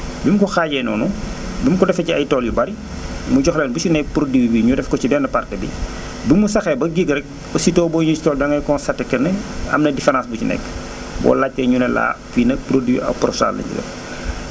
bi mu ko xaajee noonu mu ngi ko defee ci ay tool yu bari mu jox leen bu si nekk produit bi ñu def ko ci benn partie bi bi mu saxee ba yéeg rek aussitot boo ñëwee si tool bi da ngay constaté que ne am na différence bu ci nekk boo laajtee ñu ne la fii nag produit Apronstar lañ ci def